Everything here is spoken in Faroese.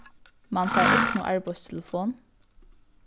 mann fær egnu arbeiðstelefon